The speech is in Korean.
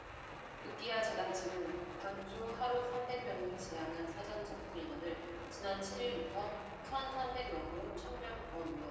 급기야 재단 측은 당초 하루 삼백 명으로 제한한 사전 접수 인원을 지난 칠 일부터 천 삼백 명으로 천 명 더 늘렸다